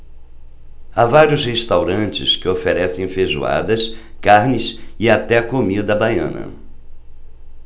há vários restaurantes que oferecem feijoada carnes e até comida baiana